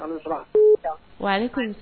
Wa